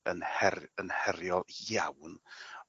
yn her- yn heriol iawn.